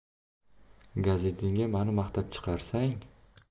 gazetingda mani maqtab chiqarsang